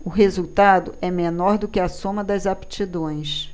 o resultado é menor do que a soma das aptidões